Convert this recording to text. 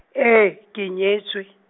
e, ke nyetswe.